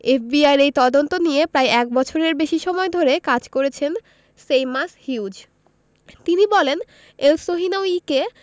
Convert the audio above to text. এফবিআইয়ের এই তদন্ত নিয়ে প্রায় এক বছরের বেশি সময় ধরে কাজ করেছেন সেইমাস হিউজ তিনি বলেন এলসহিনাউয়িকে